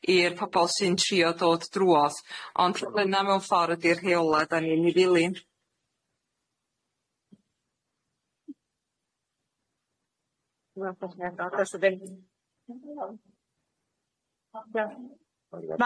i'r pobol sy'n trio dod drwodd ond rhaglunna mewn ffor ydi'r rheola da ni'n i ddilyn.